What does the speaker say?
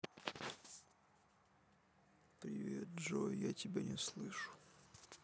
привет джой я тебя не слышу